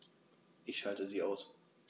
Ich schalte sie aus.